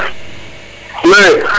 me